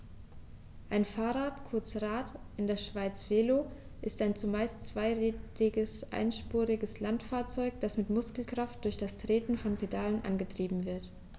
Ein Fahrrad, kurz Rad, in der Schweiz Velo, ist ein zumeist zweirädriges einspuriges Landfahrzeug, das mit Muskelkraft durch das Treten von Pedalen angetrieben wird.